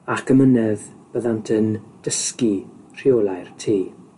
ac amynedd, byddant yn dysgu rheolai'r tŷ.